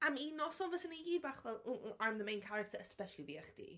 Am un noson fysen ni gyd bach fel "I'm the main character". Especially fi a chdi.